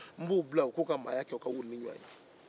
n b'u bila u k'u ka maaya kɛ ka wuli ni ɲɔgɔn ye